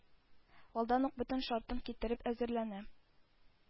Алдан ук бөтен шартын китереп әзерләнә: